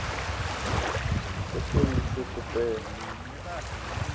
какой еще тупее